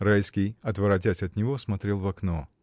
Райский, отворотясь от него, смотрел в окно.